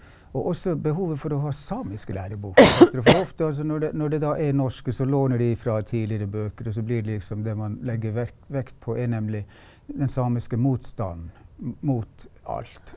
og også behovet for å ha samisk i læreboka for ofte altså når det når det da er norske så låner de fra tidligere bøker også blir det liksom det man legger vekt på er nemlig den samiske motstanden mot alt.